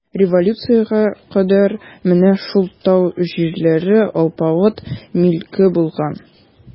Революциягә кадәр менә шул тау җирләре алпавыт милке булган.